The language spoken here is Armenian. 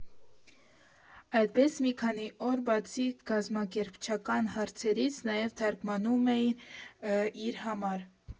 Այդպես, մի քանի օր, բացի կազմակերպչական հարցերից, նաև թարգմանում էի իր համար։